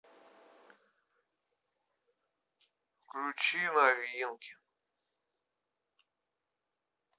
включи новинки